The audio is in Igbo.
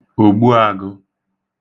Ògbuāgụ̄